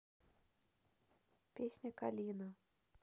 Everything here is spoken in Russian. песня калина